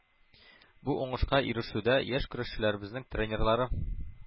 Бу уңышка ирешүдә яшь көрәшчеләребезнең тренерлары